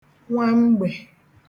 nwamgbè